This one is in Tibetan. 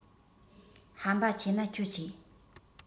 ཧམ པ ཆེ ན ཁྱོད ཆེ